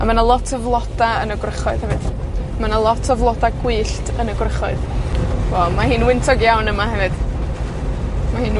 A ma' 'na lot o floda yn y gwrychoedd hefyd, ma' 'na lot o floda gwyllt yn y gwrychoedd. Wel, mae hi'n wyntog iawn yma hefyd. Ma' hi'n